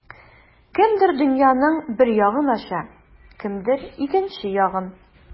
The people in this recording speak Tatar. Кемдер дөньяның бер ягын ача, кемдер икенче ягын.